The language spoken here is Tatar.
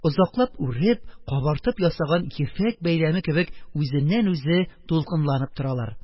Озаклап үреп, кабартып ясаган ефәк бәйләме кебек үзеннән-үзе дулкынланып торалар.